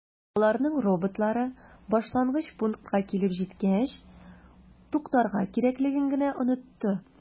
Аларның роботлары башлангыч пунктка килеп җиткәч туктарга кирәклеген генә “онытты”.